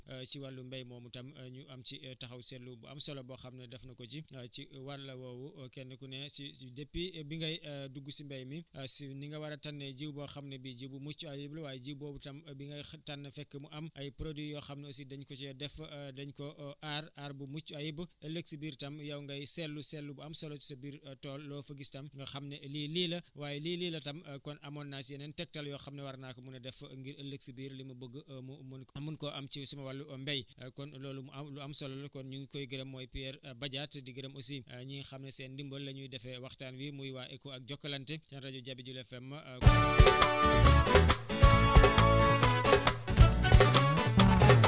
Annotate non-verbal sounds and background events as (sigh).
kon conseils yi nga xam ne si joxe na ko ci wàllu mbéykat yi waaye rawatina éni nga xam dañuy faral di jëfandikoo dugub si wàllu mbay moomu tam ñu am si taxaw seetlubu am solo boo xam ne def na ko si ci wàll woowu kenn ku ne si depuis bi ngay (hesitation) dugg si mbéy mi (hesitation) si ni nga war a tànnee jiw boo xam ne bi ji bu mucc ayib la waaye ji boobu tam bi ngay xa tànn na fekk mu am ay produits yoo xam ne aussi dañ ko cee def (hesitation) dañ koo (hesitation) aar aar bu mucc ayib ëllëg si biir tam yow ngay seetlu seetlu bu am solo si sa biir tool loo fa gis tam nga xam ne lii lii la waaye lii la tam kon amoon naa si yeneen tegtal yoo xam ne war naa ko mun a def ngir ëllëg si biir li mu bëgg (hesitation) mu mun koo am ci sunu wàll mbéy kon loolu mu am lu am solo la kon énu ngi koy gërëm mooy Pierre Badiate di gërëm aussi (hesitation) ñi nga xam ne seen ndimbal la ñuy defee waxtaan wi muy waa ECHO ak Jokalante rajo Jabi Jula FM